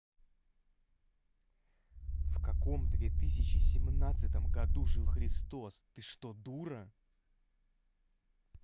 в каком две тысячи семнадцатом году жил христос ты что дура